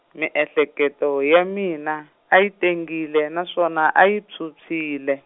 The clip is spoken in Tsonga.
miehleketo ya mina, a yi tengile naswona a yi phyuphyile.